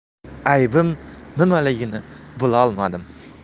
aybim nimaligini bilolmasdim